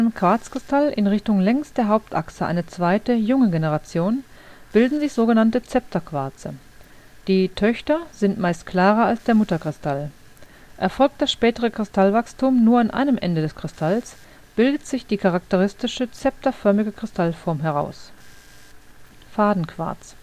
Quarzkristall in Richtung längs der Hauptachse eine zweite, junge Generation, bilden sich sogenannte Zepterquarze. Die „ Töchter “sind meist klarer als der Mutterkristall. Erfolgt das spätere Kristallwachstum nur an einem Ende des Kristalls, bildet sich die charakteristische, zepterförmige Kristallform heraus. Fadenquarz